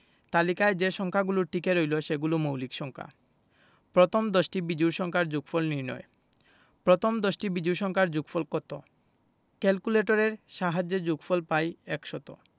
তালিকায় যে সংখ্যাগুলো টিকে রইল সেগুলো মৌলিক সংখ্যা প্রথম দশটি বিজোড় সংখ্যার যোগফল নির্ণয় প্রথম দশটি বিজোড় সংখ্যার যোগফল কত ক্যালকুলেটরের সাহায্যে যোগফল পাই ১ শত